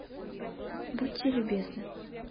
будьте любезны